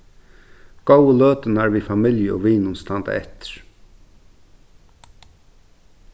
góðu løturnar við familju og vinum standa eftir